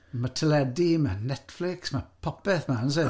Ma' teledu, ma' Netflix, ma' popeth 'ma yn does e!